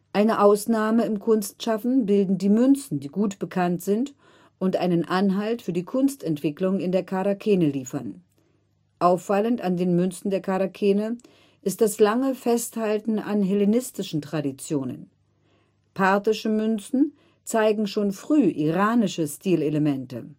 Eine Ausnahme im Kunstschaffen bilden die Münzen, die gut bekannt sind und einen Anhalt für die Kunstentwicklung in der Charakene liefern. Auffallend an den Münzen der Charakene ist das lange Festhalten an hellenistischen Traditionen. Parthische Münzen zeigen schon früh iranische Stilelemente